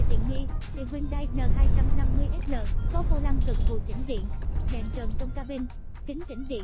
về tiện nghi thì hyundai n sl có vô lăng gật gù chỉnh điện đèn trần trong cabin kính chỉnh điện